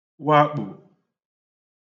wakpò